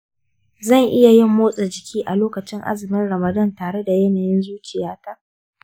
zan iya yin motsa jiki a lokacin azumin ramadan tare da yanayin zuciyata?